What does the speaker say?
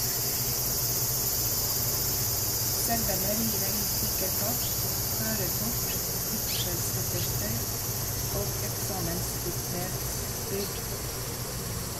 Serberne river i stykker pass, førerkort, vigselsattester og eksamensvitnesbyrd.